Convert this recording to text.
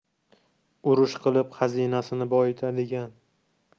urush qilib xazinasini boyitadigan